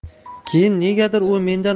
keyin negadir u mendan